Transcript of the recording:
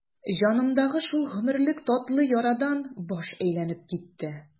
Җанымдагы шул гомерлек татлы ярадан баш әйләнеп китте.